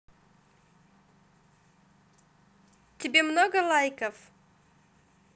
тебе много лайков